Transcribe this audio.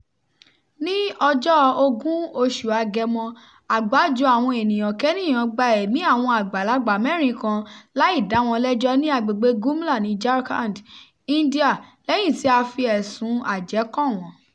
Ní ọjọ́ 20 oṣù Agẹmọ, àgbájọ àwọn ènìyànkéènìà gba ẹ̀mí àwọn àgbàlagbà mẹ́rin kan láì dá wọn lẹ́jọ́ ní agbègbèe Gumla ní Jharkhand, India lẹ́yìn tí a fi ẹ̀sùn-un àjẹ́ kàn wọ́n.